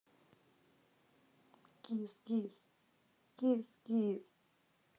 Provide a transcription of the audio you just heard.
кис кис кис кис